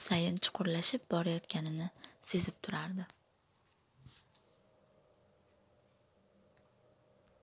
sayin chuqurlashib borayotganini sezib turardi